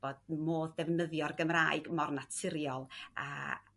bod modd defnyddio'r Gymraeg mor naturiol